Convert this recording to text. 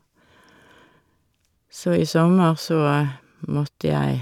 Så i sommer så måtte jeg...